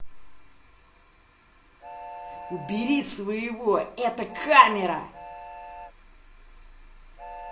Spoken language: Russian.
убери своего это камера